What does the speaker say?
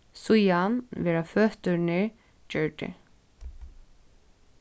síðan verða føturnir gjørdir